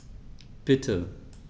Bitte.